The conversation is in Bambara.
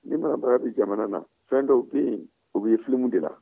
ni marabaga bɛ jamana na fɛn dɔw bɛ yen o bɛ ye filimuw de la